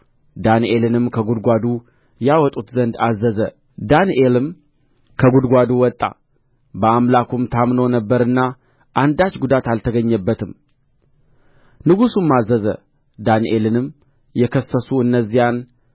ዳንኤልንም ከጕድጓዱ ያወጡት ዘንድ አዘዘ ዳንኤልም ከጕድጓድ ወጣ በአምላኩም ታምኖ ነበርና አንዳች ጉዳት አልተገኘበትም ንጉሡም አዘዘ ዳንኤልንም የከሰሱ እነዚያን